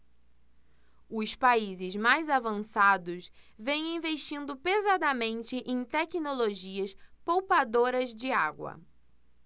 os países mais avançados vêm investindo pesadamente em tecnologias poupadoras de água